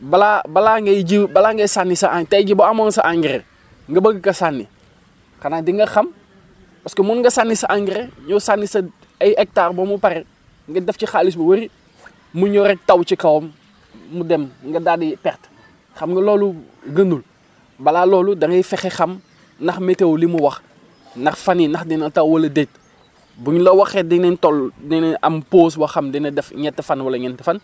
balaa balaa ngay jiw balaa ngay sànni sa en tey jii boo amoon sa engrais nga bëkk ko sànni xanaa di nga xam parce que mën nga sànni sa engrais ñëw sànni sa ay hectares ba mu pare nga def ci xaalis bu bëri mu ñëw rek taw ci kawam mu dem nga daal di perte xam nga loolu gënul balaa loolu dangay fexe xam ndax météo li mu wax ndax fan yii ndax dina taw wala déet buñ la waxee dinañ toll dinañ am pause boo xam dina def ñetti fan wala ñeenti fan